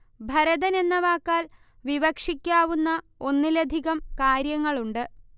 ഭരതന് എന്ന വാക്കാല് വിവക്ഷിക്കാവുന്ന ഒന്നിലധികം കാര്യങ്ങളുണ്ട്